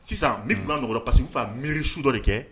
Sisan n nɔgɔkɔ pa que' fa miiri su dɔ de kɛ